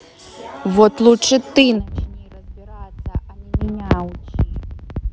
вот лучше ты начни разбираться а не меня учи